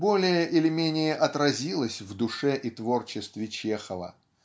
более или менее отразилось в душе и творчестве Чехова.